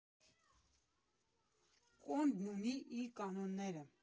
Կոնդն ունի իր կանոնները։